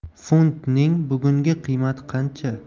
funt ning bugungi qiymati qancha